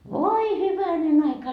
voi hyvänen aika